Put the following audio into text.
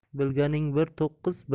bilganing bir to'qqiz